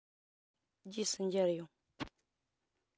རྗེས སུ མཇལ ཡོང